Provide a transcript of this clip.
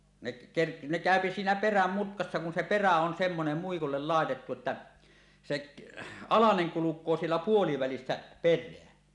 ne - ne käy siinä perän mutkassa kun se perä on semmoinen muikulle laitettu että se alanen kulkee siellä puolivälissä perää